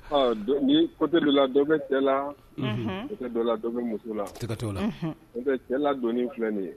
Coté dɔ la dɔ bɛ cɛ la coté dɔ la dɔ bɛ muso la n'o tɛ cɛ ladonni filɛ nin ye